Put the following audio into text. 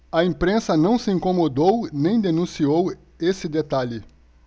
a imprensa não se incomodou nem denunciou esse detalhe